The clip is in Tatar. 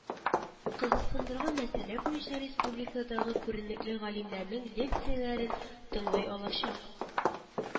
Кызыксындырган мәсьәлә буенча республикадагы күренекле галимнәрнең лекцияләрен тыңлый алачак